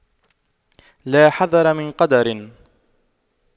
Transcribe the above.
لا حذر من قدر